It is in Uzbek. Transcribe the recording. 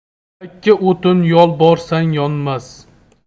yakka o'tin yolborsang yonmas